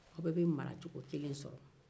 aw bɛɛ bɛ maracogo kelen sɔrɔ